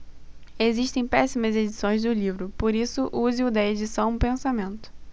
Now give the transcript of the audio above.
existem péssimas edições do livro por isso use o da edição pensamento